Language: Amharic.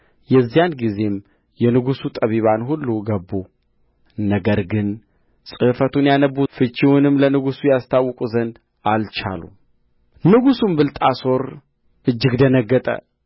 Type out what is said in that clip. የዚያን ጊዜም የንጉሡ ጠቢባን ሁሉ ገቡ ነገር ግን ጽሕፈቱን ያነብቡ ፍቺውንም ለንጉሡ ያስታውቁ ዘንድ አልቻሉም ንጉሡም ብልጣሶር እጅግ ደነገጠ